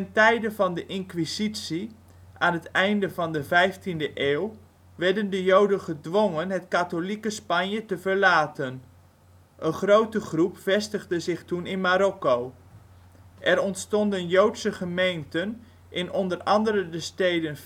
tijde van de inquisitie, aan het einde van de vijftiende eeuw, werden de Joden gedwongen het katholieke Spanje te verlaten. Een grote groep vestigde zich toen in Marokko. Er ontstonden Joodse gemeenten in onder andere de steden